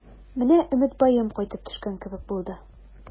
Менә Өметбаем кайтып төшкән кебек булды.